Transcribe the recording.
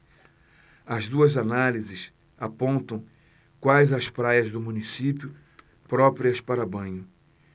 as duas análises apontam quais as praias do município próprias para banho